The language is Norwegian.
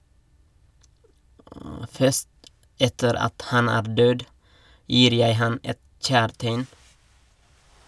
"Først etter at han er død, gir jeg han et kjærtegn."